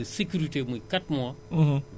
sama boroom mun na def def mu wàcc